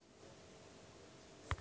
найди сериал топи